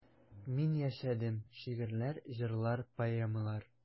Мин яшәдем: шигырьләр, җырлар, поэмалар.